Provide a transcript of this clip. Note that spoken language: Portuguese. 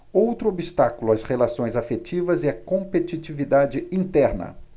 outro obstáculo às relações afetivas é a competitividade interna